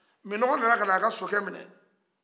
minɔgɔ nana ka na a ka sokɛ minɛ